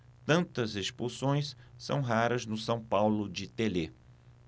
tantas expulsões são raras no são paulo de telê